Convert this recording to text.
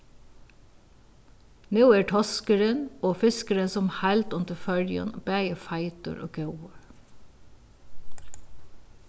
nú er toskurin og fiskurin sum heild undir føroyum bæði feitur og góður